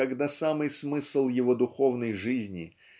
когда самый смысл его духовной жизни